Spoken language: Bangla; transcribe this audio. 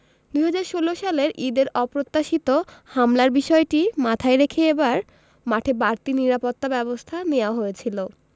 ২০১৬ সালের ঈদের অপ্রত্যাশিত হামলার বিষয়টি মাথায় রেখে এবার মাঠে বাড়তি নিরাপত্তাব্যবস্থা নেওয়া হয়েছিল